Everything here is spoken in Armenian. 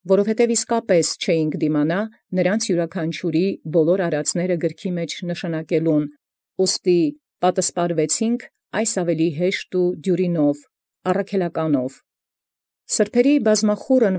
Քանզի չէաք իսկ հանդուրժաւղք՝ զամենայն արարեալսն կտակաւ նշանակել զիւրաքանչիւրսն. այլ ի դիւրագոյնս և ի հեշտագոյնս, յառաքելական անդր զանձինս պատսպարեցաք. որոց անցեալ զբազմախուռն։